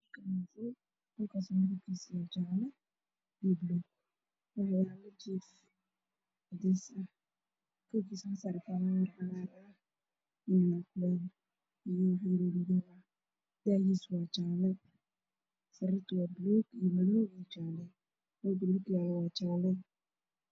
Meeshan waa qol qurux badan waxaa yaalla sariir iyo armaajo cadaan ah